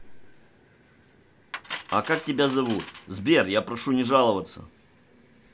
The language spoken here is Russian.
а как тебя зовут сбер я прошу не жаловаться